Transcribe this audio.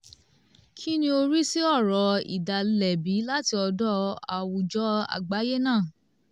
Kínni o rí sí ọ̀rọ̀ ìdálẹ́bi láti ọ̀dọ̀ àwùjọ àgbáyé náà?